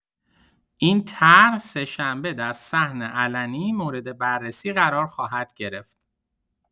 این طرح سه‌شنبه در صحن علنی مورد بررسی قرار خواهد گرفت.